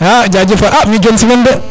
xa jajef waay mi Dione simem de